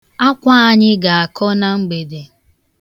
Akwa anyị ga-akọ na mgbede.